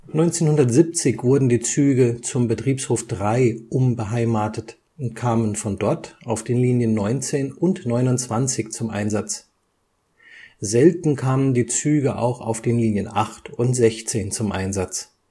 1970 wurden die Züge zum Betriebshof 3 umbeheimatet und kamen von dort auf den Linien 19 und 29 zum Einsatz. Selten kamen die Züge auch auf den Linien 8 und 16 zum Einsatz